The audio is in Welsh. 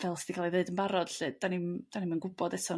Fel sti ca'l 'i ddeud barod 'lly 'dan ni'm 'dan ni'm yn gw'bod eto